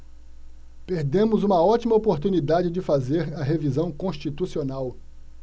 perdemos uma ótima oportunidade de fazer a revisão constitucional